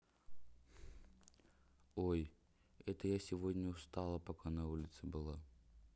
ой это я сегодня устала пока на улице была